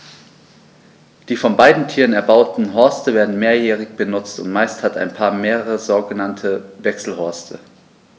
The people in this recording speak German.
Die von beiden Tieren erbauten Horste werden mehrjährig benutzt, und meist hat ein Paar mehrere sogenannte Wechselhorste.